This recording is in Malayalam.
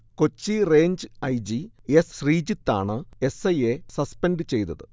Kochi range I. G., S. ശ്രീജിത്താണ് എസ്. ഐയെ സസ്പെൻഡ് ചെയ്തത്